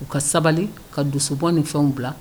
U ka sabali ka dusubɔ ni fɛnw bila